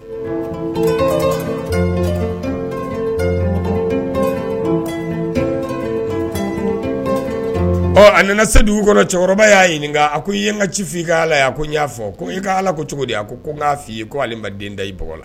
A nana se dugu kɔnɔ cɛkɔrɔba y'a ɲini a ko i ye n ka ci f i' la ko y'a fɔ ko i' ala ko cogo ko n'a fɔ i ye ko ma den da i bɔ la